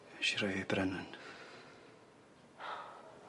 Nesh i rhoi e i Brennan.